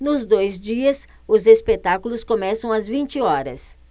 nos dois dias os espetáculos começam às vinte horas